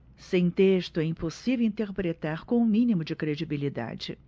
sem texto é impossível interpretar com o mínimo de credibilidade